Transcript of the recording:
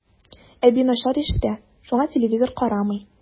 Әби начар ишетә, шуңа телевизор карамый.